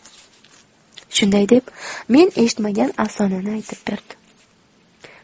shunday deb men eshitmagan afsonani aytib berdi